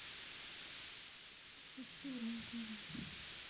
хочу рен тв